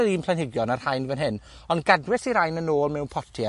yr un planhigion a rhain fan hyn, ond gadwes i rain yn ôl mewn potie